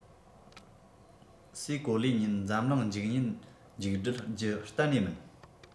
སའི གོ ལའི ཉིན འཛམ གླིང འཇིག ཉིན མཇུག བསྒྲིལ རྒྱུ གཏན ནས མིན